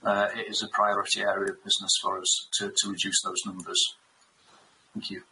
yy it is a priority area of business for us to to reduce those numbers.